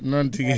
noon tigi